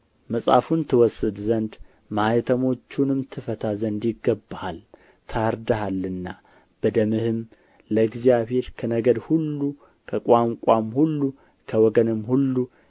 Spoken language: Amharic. መጽሐፉን ትወስድ ዘንድ ማኅተሞቹንም ትፈታ ዘንድ ይገባሃል ታርደሃልና በደምህም ለእግዚአብሔር ከነገድ ሁሉ ከቋንቋም ሁሉ ከወገንም ሁሉ